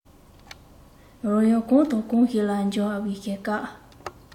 རང ཡུལ གང དང གང ཞིག ལ འཇལ བའི སྐབས